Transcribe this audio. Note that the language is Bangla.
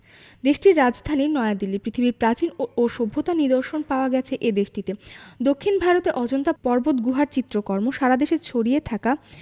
দেশটির রাজধানী নয়াদিল্লী পৃথিবীর প্রাচীন ও ও সভ্যতার নিদর্শন পাওয়া গেছে এ দেশটিতে দক্ষিন ভারতে অজন্তা পর্বতগুহার চিত্রকর্ম সারা দেশে ছড়িয়ে থাকা